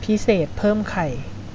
พิเศษเพิ่มไข่